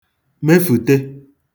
mefùte